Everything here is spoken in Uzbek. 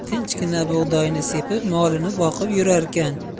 tinchgina bug'doyni sepib molini boqib yurarkan